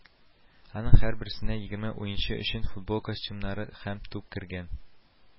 Аның һәрберсенә егерме уенчы өчен футбол костюмнары һәм туп кергән